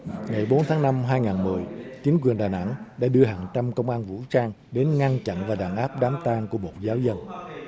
ngày bốn tháng năm hai ngàn mười chính quyền đà nẵng đã đưa hàng trăm công an vũ trang đến ngăn chặn và đàn áp đám tang của một giáo dân